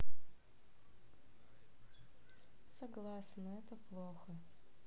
согласно это плохо